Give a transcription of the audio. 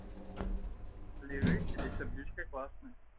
лежи себе сердючка классная